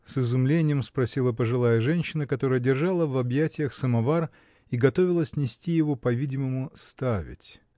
— с изумлением спросила пожилая женщина, которая держала в объятиях самовар и готовилась нести его, по-видимому, ставить.